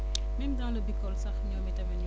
même dans le Bikol sax ñoom itamit